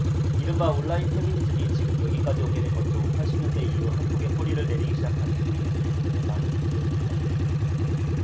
이른바 온라인 페미니즘이 지금 여기까지 오게 된 것도 팔십 년대 이후 한국에 뿌리를 내리기 시작한 페미니즘의 흐름에 많은 빚을 졌다